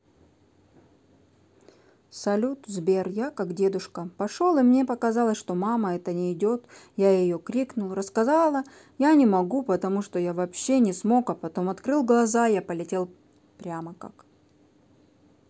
салют сбер я как дедушка пошел и мне мне показалось что мама это не идет я ее крикнул рассказала я не могу потому что я вообще не смог я потом открыл глаза я полетел прямо как